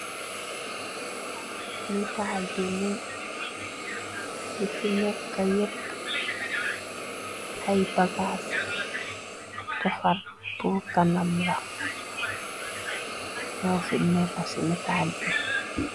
Nitaal bi ne lu fi nek ka yépp ay bagaas defar pur kanam la ci netal bi mu neka ci netaal bi.